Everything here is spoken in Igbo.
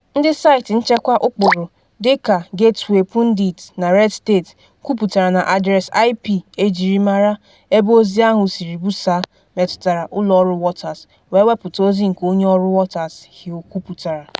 Ndị saịtị nchekwa ụkpụrụ dịka Gateway Pundit na Redstate kwuputara na adreesị IP ejiri mara ebe ozi ahụ siri busa metụtara ụlọ ọrụ Waters, wee wepụta ozi nke onye ọrụ Waters, Hill kwuputara.